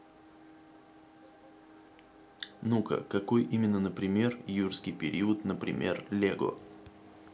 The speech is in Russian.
ну ка какой именно например юрский период например лего